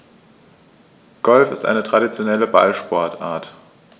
Golf ist eine traditionelle Ballsportart.